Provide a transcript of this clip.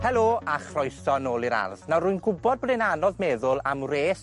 Helo a chroeso nôl i'r ardd. Nawr, rwy'n gwbod bod e'n anodd meddwl am wres